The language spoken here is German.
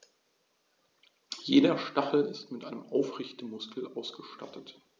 Jeder Stachel ist mit einem Aufrichtemuskel ausgestattet.